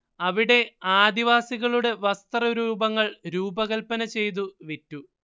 അവിടെ ആദിവാസികളുടെ വസ്ത്രരൂപങ്ങൾ രൂപകൽപ്പന ചെയ്തു വിറ്റു